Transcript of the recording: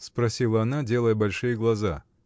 — спросила она, делая большие глаза.